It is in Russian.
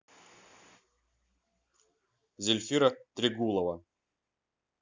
зельфира трегулова